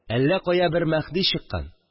Әллә кая бер Мәһди чыккан